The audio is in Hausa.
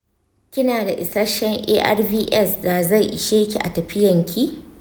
kina da isasshen arvs da zai isheki a tafiyan ki?